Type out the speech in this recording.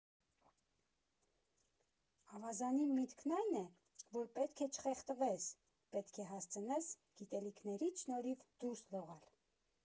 Ավազանի միտքն այն է, որ պետք է չխեղդվես, պետք է հասցնես գիտելիքներիդ շնորհիվ դուրս լողալ։